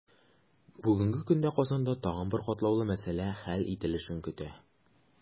Бүгенге көндә Казанда тагын бер катлаулы мәсьәлә хәл ителешен көтә.